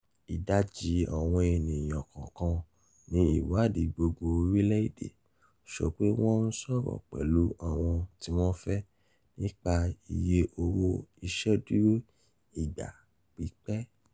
Ìdajì àwọn ènìyàn kọ̀ọ̀kan ni ìwáàdí gbogbo orílẹ̀-èdè sọ pé wọ́n ń sọ̀rọ̀ pẹ̀lú àwọn tí wọ́n fẹ́ nípa iye owó ìṣedúró ìgbà pípé.